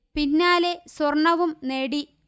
പിന്നാലെ സ്വർണവും നേടി